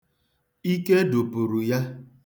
Ike dụpuru ya.